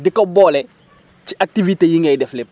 di ko boole ci activités yi ngay def yëpp